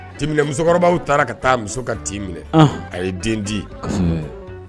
Ti musokɔrɔbaw taara ka taa muso ka' minɛ a ye den di